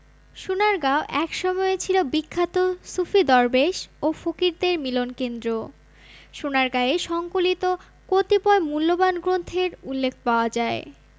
সোনারগাঁও এক সময়ে ছিল বিখ্যাত সুফি দরবেশ ও ফকিরদের মিলনক্ষেত্র সোনারগাঁয়ে সংকলিত কতিপয় মূল্যবান গ্রন্থের উল্লেখ পাওয়া যায়